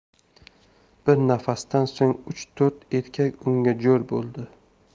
bir nafasdan so'ng uch to'rt erkak unga jo'r bo'ldi